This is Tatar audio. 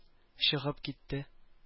Чыгып китте